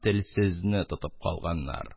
Телсезне тотып калганнар.